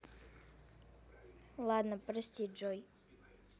ладно прости джой